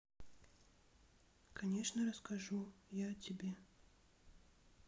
конечно расскажу я о тебе